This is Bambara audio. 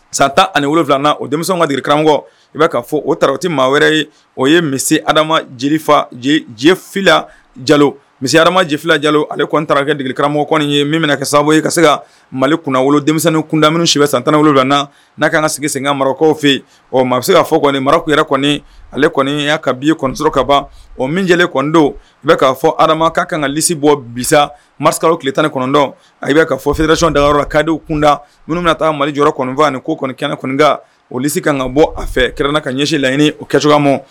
San tan ani wolo wolonwulana o denmisɛnw ka dikkankɔ i bɛa kaa fɔ o ta oti maa wɛrɛ ye o ye misi ha adama jirifa diɲɛ fila jalo misi ha adamama ji fila jalo ale kɔn ta kɛ dikkaramo kɔni ye min minɛ na ka sababu ye ka se ka mali kunna wolo denmisɛnnin kunda minnu si bɛ san tan wolonwula na n'a ka kan ka sigi senkan marakaw fɛ yen o maa bɛ se k'a fɔ kɔni mara yɛrɛ kɔni ale kɔni y'a ka bi kɔnɔnso ka ban o min jɛlen kɔnɔntɔn u bɛ k'a fɔ hadama ka kan kalisisi bɔ bisa marifaskaraw tile tan kɔnɔntɔn a' ka fɔ seerec dayɔrɔ la kadi kunda minnu na taa mali jɔyɔrɔfa ani ko kɔni kɛnɛ kɔnikan olulisisi ka ka bɔ a fɛ kɛrɛnna ka ɲɛsin laɲiniini o kɛ cogoyamu